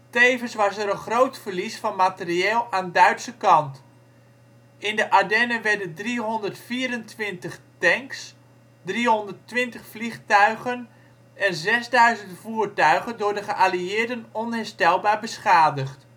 Tevens was er een groot verlies aan materieel aan Duitse kant. In de Ardennen werden 324 tanks, 320 vliegtuigen en 6.000 voertuigen door de geallieerden onherstelbaar beschadigd